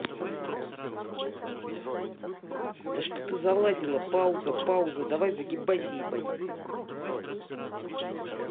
да что ты заладила пауза пауза давай загибайся ебать